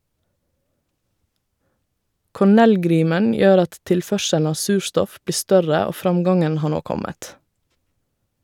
Cornell-grimen gjør at tilførselen av surstoff blir større og framgangen har nå kommet.